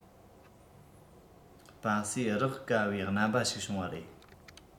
སྤ སེ རག དཀའ བའི རྣམ པ ཞིག བྱུང བ རེད